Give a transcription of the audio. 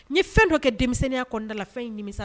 N ye fɛn dɔ kɛ denmisɛnninya kɔnɔnada la fɛn ye nimisa